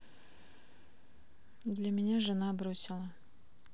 для меня жена бросила